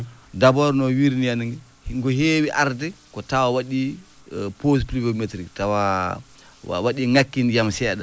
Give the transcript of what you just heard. d' abord no wiirini henne ngu heewi arde ko taw waɗii pose pluviométrique tawa waɗi ŋakkii ndiyam seeɗa